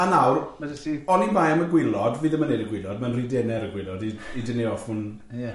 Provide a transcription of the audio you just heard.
A nawr ma' da ti. O'n i'n bai am y gwilod, fi ddim yn wneud y gwilod, mae'n rhy dener y gwilod i i dynnu off, o'n ie.